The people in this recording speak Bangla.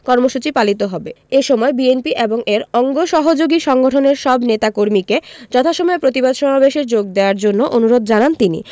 কর্মসূচি পালিত হবে এ সময় বিএনপি এবং এর অঙ্গ সহযোগী সংগঠনের সব নেতাকর্মীকে যথাসময়ে প্রতিবাদ সমাবেশে যোগ দেয়ার জন্য অনুরোধ জানান তিনি